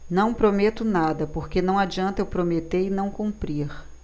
não prometo nada porque não adianta eu prometer e não cumprir